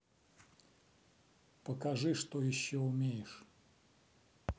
покажи что еще умеешь